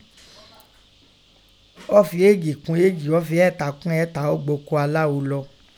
Ọ́ fin eéjì kún eéjì, ọ́ fi ẹẹ́ta kún ẹẹ̀ta, ọ́ gba oko aláo lọ.